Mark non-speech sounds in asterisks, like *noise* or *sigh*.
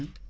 *hesitation* *hesitation*